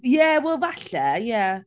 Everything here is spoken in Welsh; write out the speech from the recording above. Ie wel falle ie.